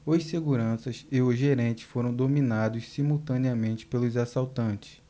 os seguranças e o gerente foram dominados simultaneamente pelos assaltantes